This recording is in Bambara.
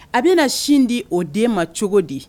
A bɛna na sin di o den ma cogo di